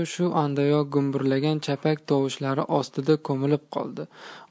shu ondayoq gumburlagan chapak tovushlari ostida ko'milib qoldi